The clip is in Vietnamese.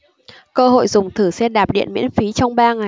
cơ hội dùng thử xe đạp điện miễn phí trong ba ngày